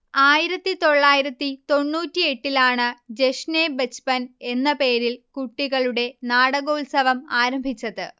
ആയിരത്തി തൊള്ളായിരത്തി തൊണ്ണൂറ്റിയെട്ടിലാണ് ജഷ്നേ ബച്പൻ എന്ന പേരിൽ കുട്ടികളുടെ നാടകോത്സവം ആരംഭിച്ചത്